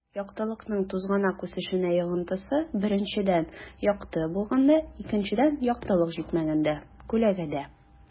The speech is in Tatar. Яктылыкның тузганак үсешенә йогынтысы: 1 - якты булганда; 2 - яктылык җитмәгәндә (күләгәдә)